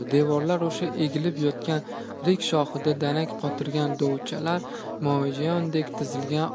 devorlar osha egilib yotgan o'rik shoxida danak qotirgan dovuchchalar maijondek tizilgan